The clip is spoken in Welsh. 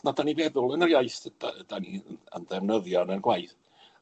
na 'dan ni feddwl yn yr iaith 'd- 'd- dan ni'n am ddefnyddio yn 'yn gwaith.